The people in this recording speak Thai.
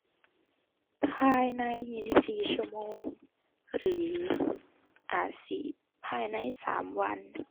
ภายในยี่สิบสี่ชั่วโมง หรืออาจสิภายในสามวัน